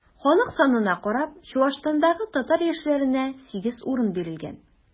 Халык санына карап, Чуашстандагы татар яшьләренә 8 урын бирелгән.